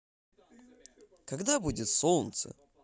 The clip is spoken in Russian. когда будет солнце